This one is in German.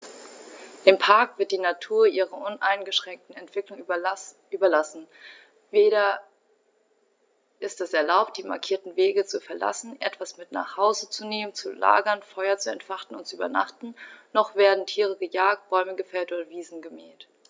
Im Park wird die Natur ihrer uneingeschränkten Entwicklung überlassen; weder ist es erlaubt, die markierten Wege zu verlassen, etwas mit nach Hause zu nehmen, zu lagern, Feuer zu entfachen und zu übernachten, noch werden Tiere gejagt, Bäume gefällt oder Wiesen gemäht.